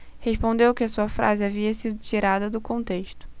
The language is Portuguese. respondeu que a sua frase havia sido tirada do contexto